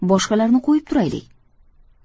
boshqalarni qo'yib turaylik